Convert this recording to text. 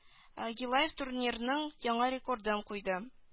Гилаев турнирның яңа рекордын куйды